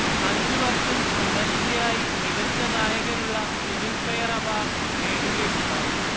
അഞ്ചുവർഷം തുടർച്ചയായി മികച്ചഗായകനുള്ള ഫിലംഫെയർ അവാർഡ് നേടുകയുണ്ടായി